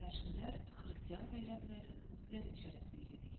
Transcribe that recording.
Керәшеннәр христиан бәйрәмнәрен үзләренчәрәк билгели.